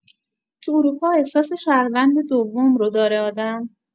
تو اروپا احساس شهروند دوم رو داره آدم؟